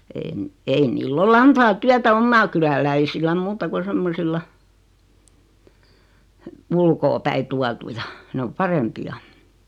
en ei niillä ole antaa työtä omaa kyläläisille muuta kuin semmoisilla ulkoapäin tuotuja ne on parempia